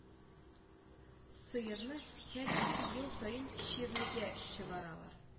Сыерны һәр ике ел саен чирлегә чыгаралар